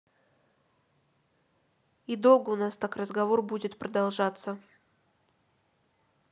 и долго у нас так разговор будет продолжаться